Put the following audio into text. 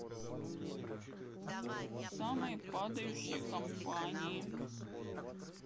самые падающие компании